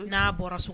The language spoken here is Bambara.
N'a bɔra so